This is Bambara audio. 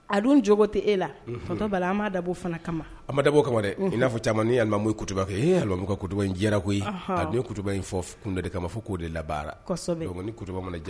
A don jo tɛ e la faba dabɔ kama dabɔ kama wɛrɛ in n'a fɔ camanmani nimu kutuba kɛmu koba in jɛra koyi atuba in fɔ kunda de kama fɔ k'o de la kuba